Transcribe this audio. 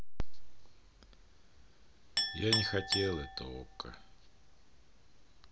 я не хотел это okko